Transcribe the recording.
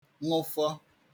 ṅụfọ